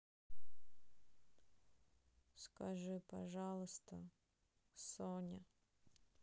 скажи пожалуйста соня